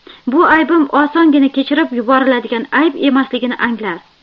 bu aybim osongina kechirib yuboriladigan ayb emasligini anglar